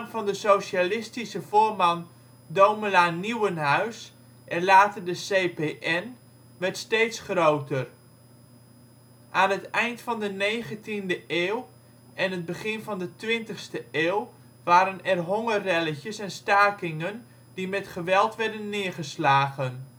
van de socialistische voorman Domela Nieuwenhuis en later de CPN (Communistische Partij Nederland) werd steeds groter. Aan het eind van de negentiende en het begin van de twintigste eeuw waren er hongerrelletjes en stakingen die met geweld werden neergeslagen